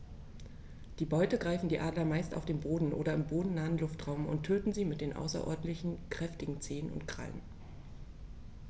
Die Beute greifen die Adler meist auf dem Boden oder im bodennahen Luftraum und töten sie mit den außerordentlich kräftigen Zehen und Krallen.